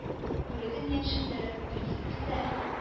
Күреген яньчелдереп бер типте дә